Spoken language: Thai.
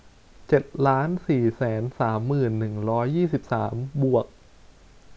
เจ็ดล้านสี่แสนสามหมื่นหนึ่งร้อยยี่สิบสามบวก